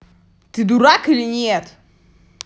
ты дурак или нет